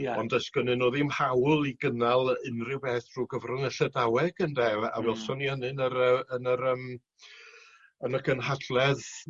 Ia. Ond does gynnyn n'w ddim hawl i gynnal yy unryw beth drw gyfrwng y Llydaweg ynde a we- a welswn ni hynny'n yr yy yn yr yym yn y gynhadledd